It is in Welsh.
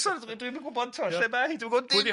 sori dw dwim yn gwbod t'mo' lle ma' hi, dwi'm wybod dim!